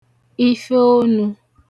ifeonū